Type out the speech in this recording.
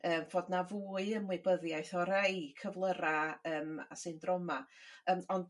yy fod 'na fwy ymwybyddiaeth o rei cyflyra' yym a syndroma yy ond